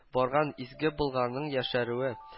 Барган изге болгарның яшәрүе